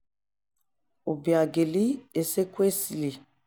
Obiageli Ezekwesili